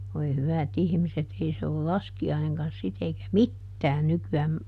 voi hyvät ihmiset ei se ole laskiainenkaan sitten eikä mitään nykyään